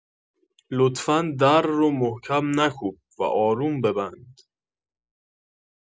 لطفا در رو محکم نکوب و آروم ببند